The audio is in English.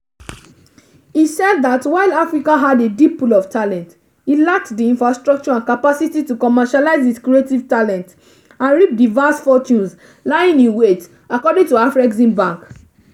He said that while Africa had a deep pool of talent, it lacked the infrastructure and capacity to commercialize its creative talent and reap the vast fortunes lying in wait, according to Afreximbank.